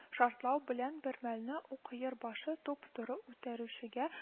Шартлау белән бермәлне үк Өер башы туп-туры үтерүчегә